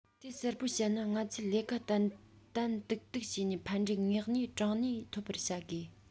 དེ གསལ པོར བཤད ན ང ཚོས ལས ཀ ཏན ཏན ཏིག ཏིག བྱས ནས ཕན འབྲས དངོས གནས དྲང གནས ཐོབ པར བྱ དགོས